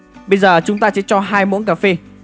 giờ cho muỗng cafe baking soda